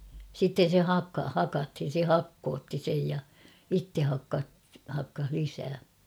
sitten se - hakattiin se hakkautti sen ja itse - hakkasi lisää